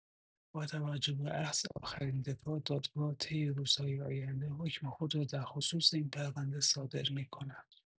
با توجه به اخذ آخرین دفاع، دادگاه طی روزهای آینده حکم خود را در خصوص این پرونده صادر می‌کند.